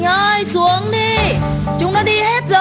ơi xuống đi chúng nó đi hết